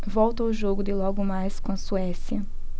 volto ao jogo de logo mais com a suécia